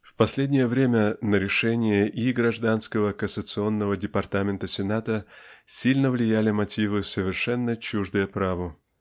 В последнее время и на решения Гражданского Кассационного Департамента Сената сильно влияли мотивы совершенно чуждые праву